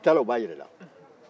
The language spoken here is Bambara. n'i taara u b'a jira e la